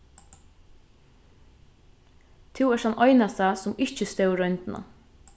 tú ert tann einasta sum ikki stóð royndina